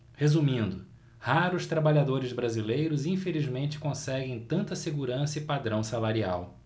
resumindo raros trabalhadores brasileiros infelizmente conseguem tanta segurança e padrão salarial